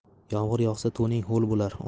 yomg'ir yog'sa to'ning ho'l bo'lar